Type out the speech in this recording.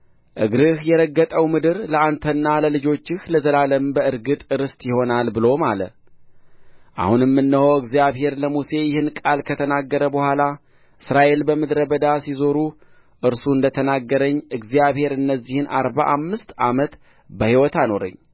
እግርህ የረገጠው ምድር ለአንተና ለልጆችህ ለዘላለም በእርግጥ ርስት ይሆናል ብሎ ማለ አሁንም እነሆ እግዚአብሔር ለሙሴ ይህን ቃል ከተናገረ በኋላ እስራኤል በምድረ በዳ ሲዞሩ እርሱ እንደ ተናገረኝ እግዚአብሔር እነዚህን አርባ አምስት ዓመት በሕይወት አኖረኝ